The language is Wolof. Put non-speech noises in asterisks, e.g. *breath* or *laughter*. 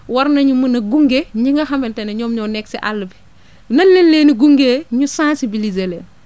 war nañu mun a gunge ñi nga xamante ne ñoom ñoo nekk si àll bi *breath* nan lañ leen di gungee ñu sensibiliser leen